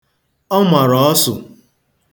Ọ mara ọsụ.